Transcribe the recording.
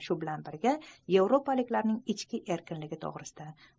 shu bilan birga yevropaliklarning ichki erkinligi to'g'risida